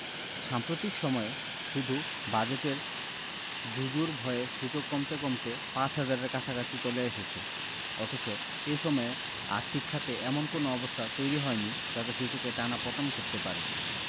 সাম্প্রতিক সময়ে শুধু বাজেটের জুজুর ভয়ে সূচক কমতে কমতে ৫ হাজারের কাছাকাছি চলে এসেছে অথচ এ সময়ে আর্থিক খাতে এমন কোনো অবস্থা তৈরি হয়নি যাতে সূচকের টানা পতন ঘটতে পারে